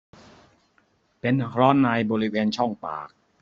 เป็นร้อนในบริเวณช่องปาก